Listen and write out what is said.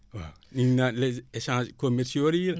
waaw ñii naan les échanges commerciaux yi la